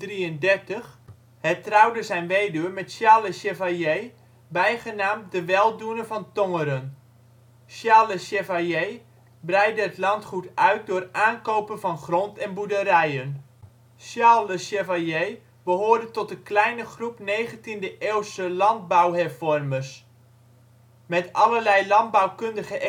-1833), hertrouwde zijn weduwe met Charles le Chevalier, bijgenaamd ' De Weldoener van Tongeren '. Charles le Chevalier breidde het landgoed uit door aankopen van grond en boerderijen. Charles le Chevalier behoorde tot de kleine groep 19de-eeuwse landbouwhervormers. Met allerlei landbouwkundige